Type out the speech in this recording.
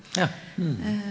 ja .